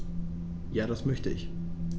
Ja, das möchte ich.